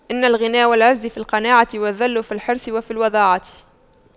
إن الغنى والعز في القناعة والذل في الحرص وفي الوضاعة